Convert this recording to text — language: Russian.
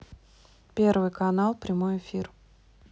первый канал прямой эфир